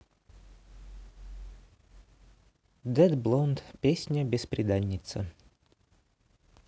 dead blonde песня бесприданница